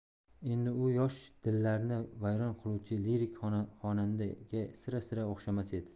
endi u yosh dillarni vayron qiluvchi lirik xonanda ga sira sira o'xshamas edi